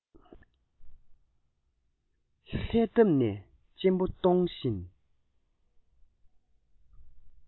ལྷས འདབས ནས གཅིན པ གཏོང བཞིན